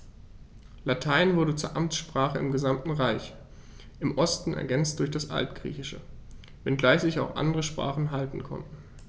Latein wurde zur Amtssprache im gesamten Reich (im Osten ergänzt durch das Altgriechische), wenngleich sich auch andere Sprachen halten konnten.